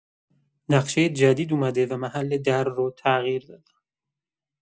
نقشه جدید اومده و محل در رو تغییر دادن.